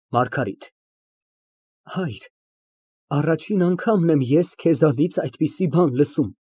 ՄԱՐԳԱՐԻՏ ֊ Հայր, առաջին անգամն եմ ես քեզանից այդպիսի բան լսում։